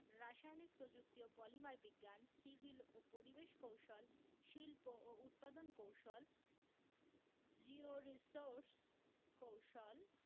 রাসায়নিক প্রযুক্তি ও পলিমার বিজ্ঞান সিভিল ও পরিবেশ কৌশল শিল্প ও উৎপাদন কৌশল জিওরির্সোস কৌশল